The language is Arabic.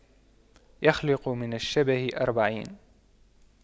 يخلق من الشبه أربعين